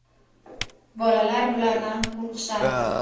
bolalar bulardan qo'rqishardi